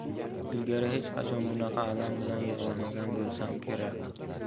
ilgari hech qachon bunaqa alam bilan yig'lamagan bo'lsam kerak